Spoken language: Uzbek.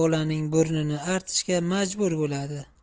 bolaning burnini artishga majbur bo'ladi